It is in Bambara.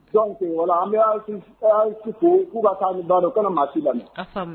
Donc Voila an bɛ Asimi A E S fo k'u ka taa ni baaara ye, u kana maa si lamɛn., a faamu na.